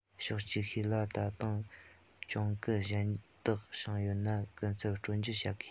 ཕྱོགས ཅིག ཤོས ལ ད དུང གྱོང གུན གཞན དག བྱུང ཡོད ན གུན གསབ སྤྲོད འཇལ བྱ དགོས